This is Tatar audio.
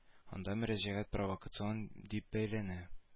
Анда мөрәҗәгать провокацион дип бәяләнә